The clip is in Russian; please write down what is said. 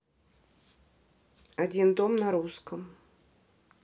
один дом на русском